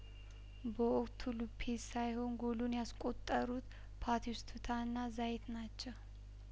በወቅቱ ሎፔዝ ሳይሆን ጐሎን ያስቆጠሩት ፓቲስቱ ታናዛዬት ናቸው